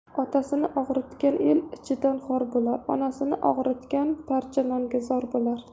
otasini og'ritgan el ichida xor bo'lar onasini og'ritgan parcha nonga zor bo'lar